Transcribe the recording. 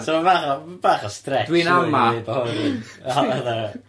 So ma' bach o bach o stretch... Dwi'n ama.